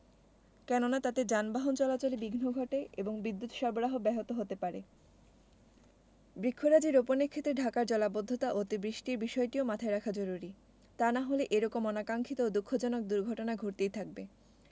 কেননা তাতে যানবাহন চলাচলে বিঘ্ন ঘটে এবং বিদ্যুত সরবরাহ ব্যাহত হতে পারে বৃক্ষরাজি রোপণের ক্ষেত্রে ঢাকার জলাবদ্ধতা ও অতি বৃষ্টির বিষয়টিও মাথায় রাখা জরুরী তা না হলে এ রকম অনাকাংক্ষিত ও দুঃখজনক দুর্ঘটনা ঘটতেই থাকবে